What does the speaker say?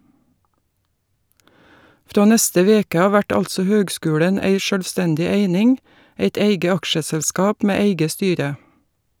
Frå neste veke av vert altså høgskulen ei sjølvstendig eining , eit eige aksjeselskap med eige styre.